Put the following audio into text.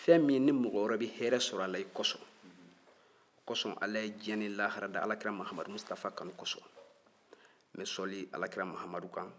fɛn min ni mɔgɔ wɛrɛ bɛ yɛrɛ sɔrɔ a la i kosɔn o kosɔn ala ye diɲɛ ni lahara da alakira mahamadu mustapha kanu kosɔn n bɛ sɔli alakira mahamadu kan